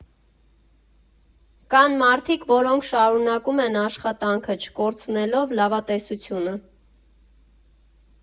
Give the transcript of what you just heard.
Կան մարդիկ, որոնք շարունակում են աշխատանքը՝ չկորցնելով լավատեսությունը։